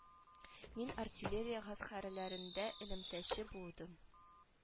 Мин артиллерия гаскәрләрендә элемтәче булдым